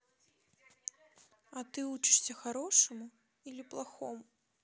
а ты учишься хорошему или плохому